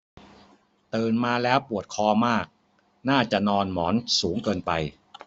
ตื่นมาแล้วปวดคอมากน่าจะนอนหมอนสูงเกินไป